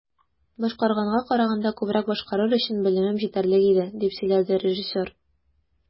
"башкарганга караганда күбрәк башкарыр өчен белемем җитәрлек иде", - дип сөйләде режиссер.